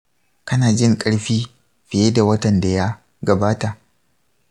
kana jin ƙarfi fiye da watan da ya gabata?